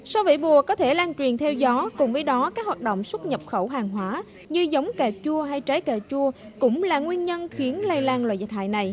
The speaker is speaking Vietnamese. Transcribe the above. sâu vẽ bùa có thể lan truyền theo gió cùng với đó các hoạt động xuất nhập khẩu hàng hóa như giống cà chua hay trái cà chua cũng là nguyên nhân khiến lây lan loài dịch hại này